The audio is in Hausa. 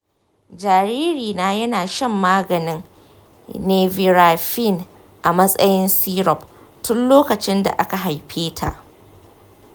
jaririna yana shan maganin nevirapine a matsayin syrup tun lokacin da aka haife ta.